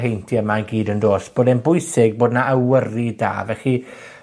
heintie yma i gyd 'yn do's? Bod e'n bwysig bod 'na awyru da, felly,